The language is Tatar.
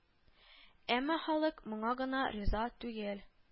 Әмма халык моңа гына риза түгел